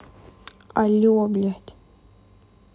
але блять